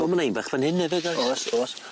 O ma' 'na un bach fan 'yn efyd oes? Oes o's.